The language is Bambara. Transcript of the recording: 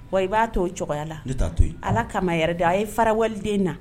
Wa i b'a to o cogoya la ne t'a to yen, allah kama yɛrɛ de a ye farawaleden na!